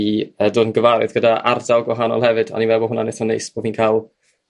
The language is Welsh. i dod yn gyfarwydd gyda ardal gwahanol hefyd oni'n meddwl bod hwna'n eitha' neis bo' fi'n ca'l